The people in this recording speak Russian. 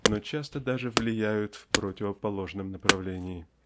но часто даже влияют в противоположном направлении.